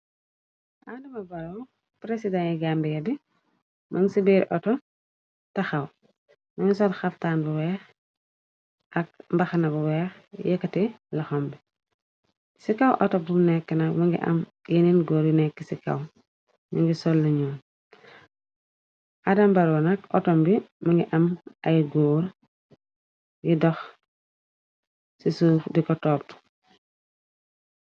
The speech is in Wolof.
Adama barox president yi gambiya bi mëng ci beeri auto taxaw muge sol xaftaan bu weex ak mbaxana bu weex yekkate loxam bi ci kaw auto bum nekk nak muge am yeneen góor yu nekk ci kaw nuge sol lu nuul adam baro nak autom bi muge am ay góor yuy dox ci suuf di ko topu.